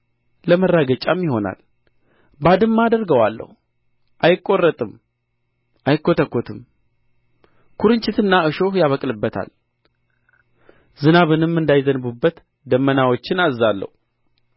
ለመራገጫም ይሆናል ባድማ አደርገዋለሁ አይቈረጥም አይኰተኰትም ኵርንችትና እሾህ ይበቅልበታል ዝናብንም እንዳያዘንቡበት ዳመናዎችን አዝዛለሁ